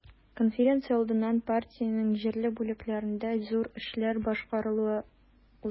Конференция алдыннан партиянең җирле бүлекләрендә зур эшләр башкарылуын узды.